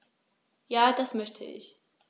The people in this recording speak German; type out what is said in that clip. Ja, das möchte ich.